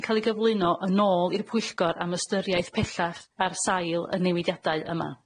yn ca'l ei gyflwyno yn ôl i'r pwyllgor am ystyriaeth pellach ar sail y newidiadau yma.